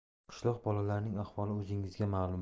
qishloq bolalarining ahvoli o'zingizga malum